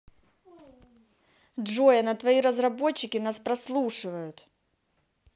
джой а на твои разработчики нас прослушивают